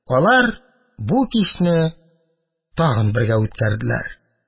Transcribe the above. Алар бу кичне тагын бергә үткәрделәр.